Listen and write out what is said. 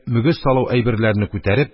Мөгез салу әйберләрене күтәреп,